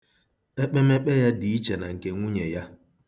Ekpemekpe ya dị iche na nke nwunye ya.